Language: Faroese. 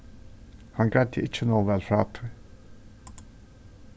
hann greiddi ikki nóg væl frá tí